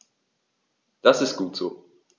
Das ist gut so.